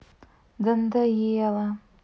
да надоело